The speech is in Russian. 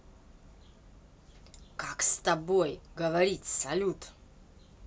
как с тобой говорить салют